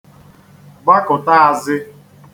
̄gbakụ̀ta āẓị̄